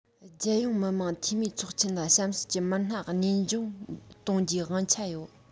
རྒྱལ ཡོངས མི དམངས འཐུས མིའི ཚོགས ཆེན ལ གཤམ གསལ གྱི མི སྣ གནས དབྱུང གཏོང རྒྱུའི དབང ཆ ཡོད